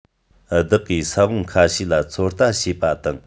བདག གིས ས བོན ཁ ཤས ལ ཚོད ལྟ བྱས པ དང